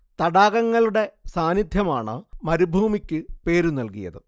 തടാകങ്ങളുടെ സാന്നിദ്ധ്യമാണ് മരുഭൂമിക്ക് പേരു നൽകിയത്